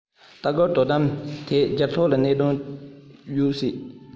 ལྟ སྐུལ དོ དམ ཐད རྒྱལ ཚོགས ལ གནད དོན ཡོད སྲིད